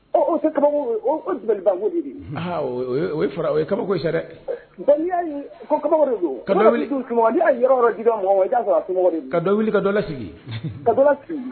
Ɔ ,ɔ o tɛ kaba ko ye, o ye dabaliban ko de ye, o fara o ye kabako ye sa sa dɛ! N'i y'a ye, ko kaba ko don, n'i y'a yɔrɔ o yɔrɔ dila mɔgɔ man, i bɛ t'a sɔrɔ a somɔgɔ de don, ka dɔ wuli ka dɔ lasigi, ka dɔ lasigi